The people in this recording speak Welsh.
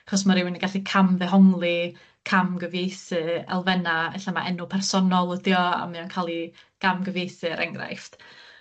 'chos ma' rywun yn gallu camddehongli camgyfieithu elfenna, e'lla ma' enw personol ydi o a mae o'n ca'l 'i gamgyfieithu er enghraifft